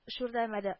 Шүрләмәде